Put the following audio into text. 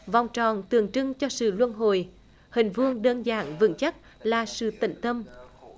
vòng tròn tượng trưng cho sự luân hồi hình vuông đơn giản vững chắc là sự tĩnh tâm